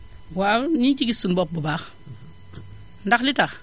waaw ñu ngi siy gis suñu bopp bu baax ndax li tax